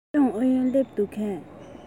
སློབ སྦྱོང ཨུ ཡོན སླེབས འདུག གས